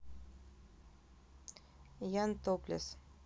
ян топлес